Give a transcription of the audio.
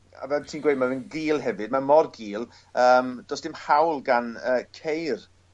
a fel ti'n gweud ma' fe'n gul hefyd hefyd mae mor gul yym do's dim hawl gan yy ceir